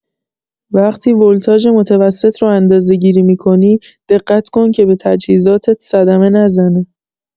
وقتی ولتاژ متوسط رو اندازه‌گیری می‌کنی، دقت کن که به تجهیزاتت صدمه نزنه.